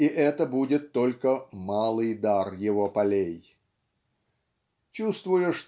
и это будет только "малый дар его полей". Чувствуя